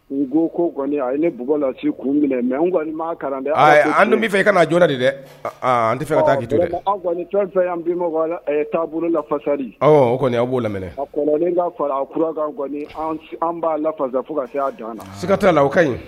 U ko ko kɔni a ye ne b la kun minɛ mɛ an ŋ maa kalan dɛ an dun b'a fɛ i ka kana jɔn de dɛ aa an tɛ fɛ ka taa an bi taa lafasari kɔni b'o lam an b'a lafasa fo ka' an na ska la o ka ɲi